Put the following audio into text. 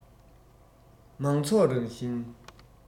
མང ཚོགས རང བཞིན